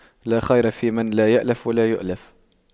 لا خير فيمن لا يَأْلَفُ ولا يؤلف